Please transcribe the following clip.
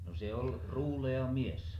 no se oli ruulea mies